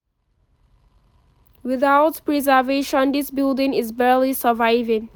Without preservation, this building is barely surviving.